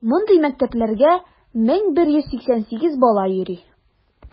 Мондый мәктәпләргә 1188 бала йөри.